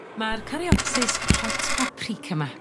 ma'r coreopsis hot paprika 'ma